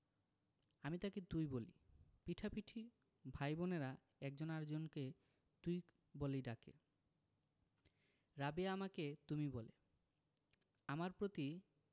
আমি তাকে তুই বলি পিঠাপিঠি ভাই বোনের একজন আরেক জনকে তুই বলেই ডাকে রাবেয়া আমাকে তুমি বলে আমার প্রতি